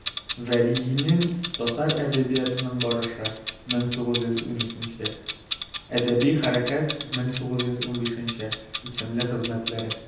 Вәлидинең «Татар әдәбиятының барышы» (1912), «Әдәби хәрәкәт» (1915) исемле хезмәтләре.